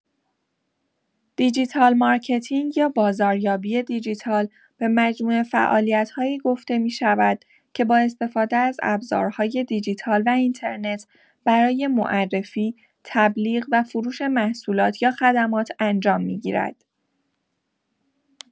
دیجیتال مارکتینگ یا بازاریابی دیجیتال به مجموعه فعالیت‌هایی گفته می‌شود که با استفاده از ابزارهای دیجیتال و اینترنت برای معرفی، تبلیغ و فروش محصولات یا خدمات انجام می‌گیرد.